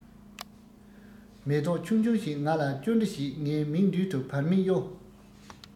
མེ ཏོག ཆུང ཆུང ཞིག ང ལ ཅོ འདྲི བྱེད ངའི མིག མདུན དུ བར མེད གཡོ